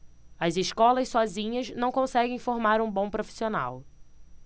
as escolas sozinhas não conseguem formar um bom profissional